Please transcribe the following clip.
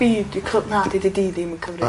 ...fi 'di cly- na 'di dy Dî di'm yn cyfri.